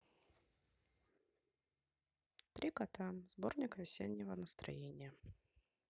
три кота сборник весеннего настроения